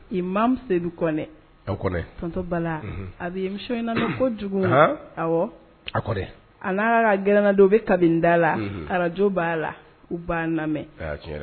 I mamu sedu kɔn a bala a bɛ muso in ko jugu a' ka gɛlɛnna don bɛ kabini da la araj'a la u' lamɛn